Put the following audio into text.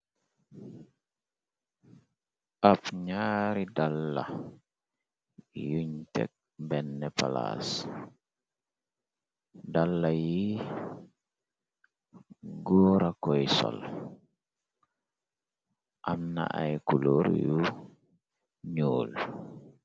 Ab ñyaari dalla yuñ tek benn palaas dalla yi góora koy sol amna ay kuloor yu ñyool.